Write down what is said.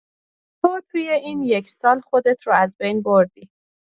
تو توی این یک سال خودت رو از بین بردی.